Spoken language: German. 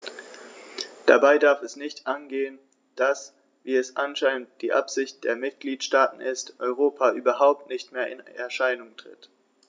Dabei darf es nicht angehen, dass - wie es anscheinend die Absicht der Mitgliedsstaaten ist - Europa überhaupt nicht mehr in Erscheinung tritt.